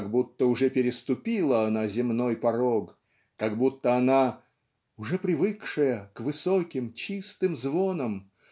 как будто уже переступила она земной порог как будто она "уже привыкшая к высоким чистым звонам